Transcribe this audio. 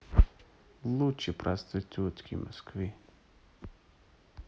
лучшие проститутки москвы